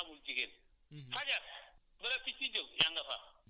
sama dëkk Casamance amul góor amul xale amul jigéen